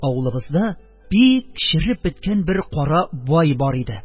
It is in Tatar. Авылыбызда бик череп беткән бер кара бай бар иде.